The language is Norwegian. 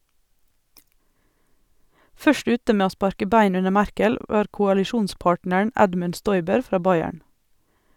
Først ute med å sparke bein under Merkel var koalisjonspartneren Edmund Stoiber fra Bayern.